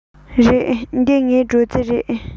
རེད འདི ངའི སྒྲོག རྩེ རེད